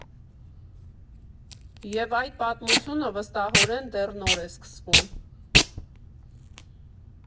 Եվ այդ պատմությունը, վստահորեն, դեռ նոր է սկսվում։